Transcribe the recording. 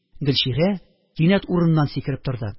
Гөлчирә кинәт урыныннан сикереп торды